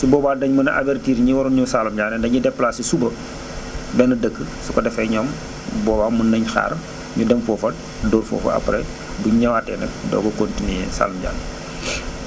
su boobaa dinñ mën a avertir ñi waroon ñëw Saalum Diané dañuy déplacé suba benn dëkk su ko defee ñoom bu boobaa mën nañ xaar ñu dem foofa dóor foofa après buñ ñëwaatee nag doog a continué Saalum Diané